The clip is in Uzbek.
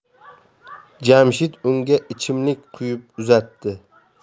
jamshid unga ichimlik quyib uzatdi